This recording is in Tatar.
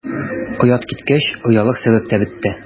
Оят киткәч, оялыр сәбәп тә бетте.